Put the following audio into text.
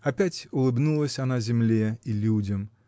опять улыбнулась она земле и людям